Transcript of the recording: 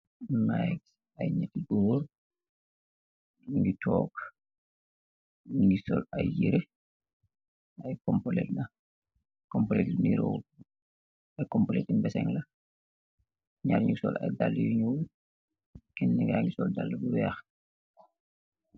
Mukeh kess ay njateh korr nukeh toog , nugeh sool ayy yereh , ayy combolet la , combolet yu duroh , combolet bu mbeseg la , njarr yakeh sol ayy perr yu jul , kehna kajeh sol dalah bu weeh.